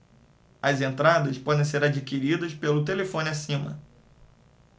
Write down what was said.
as entradas podem ser adquiridas pelo telefone acima